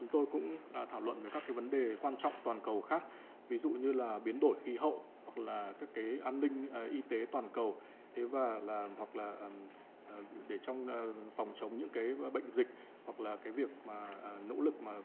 chúng tôi cũng đã thảo luận về các vấn đề quan trọng toàn cầu khác ví dụ như là biến đổi khí hậu hoặc là các cái an ninh y tế toàn cầu thế và là hoặc là để trong phòng chống những cái mà bệnh dịch hoặc là cái việc mà nỗ lực bảo